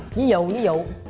ví dụ ví dụ